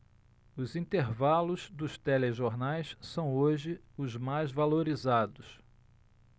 os intervalos dos telejornais são hoje os mais valorizados